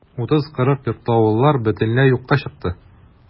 30-40 йортлы авыллар бөтенләй юкка чыкты.